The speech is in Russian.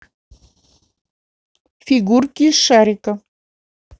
фигурки из шарика